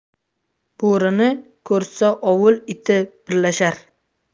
bo'rini ko'rsa ovul iti birlashar